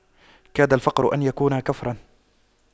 كاد الفقر أن يكون كفراً